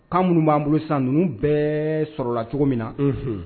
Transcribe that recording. Kan minnu b'an bolo san ninnu bɛɛ sɔrɔla cogo min na